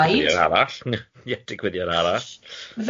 Digwyddiad arall, ie digwyddiad arall.